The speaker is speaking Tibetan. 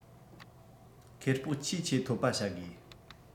ཁེ སྤོགས ཆེས ཆེ འཐོབ པ བྱ དགོས